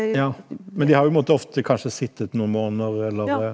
ja men de har jo måttet ofte kanskje sittet noen måneder eller ?